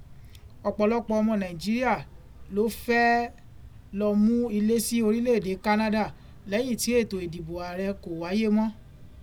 Ọ̀pọ̀lọpọ̀ ọmọ Nàìjíríà ló fẹ́ ẹ́ lọ mú ilé sí orílẹ̀ èdè Kánádà lẹ́yìn tí ètò ìdìbò ààrẹ kò wáyé mọ́.